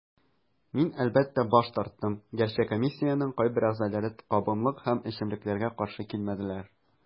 Мин, әлбәттә, баш тарттым, гәрчә комиссиянең кайбер әгъзаләре кабымлык һәм эчемлекләргә каршы килмәделәр.